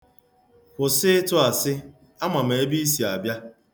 Kwụsị ịtụ asị! Ama m ebe i si na-abịa.